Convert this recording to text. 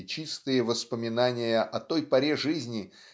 и чистые воспоминания о той поре жизни